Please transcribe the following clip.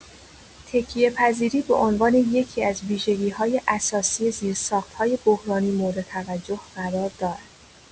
تکیه‌پذیری به عنوان یکی‌از ویژگی‌های اساسی زیرساخت‌های بحرانی مورد توجه قرار دارد.